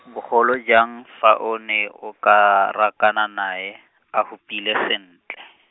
bogolo jang, fa o ne o ka rakana nae, a hupile sentle.